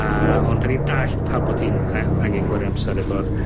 a, ond 'dan ni'n dallt pam bod hi'n a- angen gwario amsar efo'r